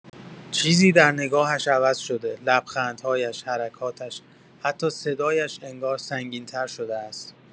چیزی در نگاهش عوض شده، لبخندهایش، حرکاتش، حتی صدایش انگار سنگین‌تر شده است.